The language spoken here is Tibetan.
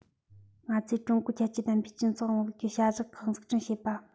ང ཚོས ཀྲུང གོའི ཁྱད ཆོས ལྡན པའི སྤྱི ཚོགས རིང ལུགས ཀྱི བྱ གཞག ཁག འཛུགས སྐྲུན བྱེད པ